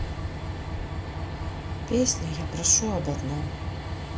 песня я прошу об одном